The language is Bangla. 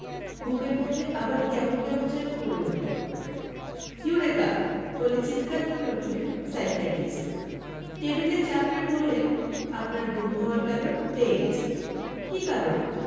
বুকের মধ্যে আবার কেমন কেমন যেন করে উঠল ‘ইউরেকা বলে চিৎকার করে উঠলেন সাইকিয়াট্রিস্ট টেবিলে চাপড়ে বললেন আপনার গুম হওয়ার কারণ পেয়ে গেছি ‘কী কারণ